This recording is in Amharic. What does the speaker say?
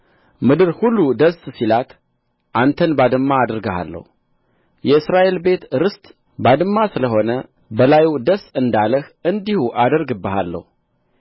ምድር ሁሉ ደስ ሲላት አንተን ባድማ አደርግሃለሁ የእስራኤል ቤት ርስት ባድማ ስለ ሆነ በላዩ ደስ እንዳለህ እንዲሁ አደርግብሃለሁ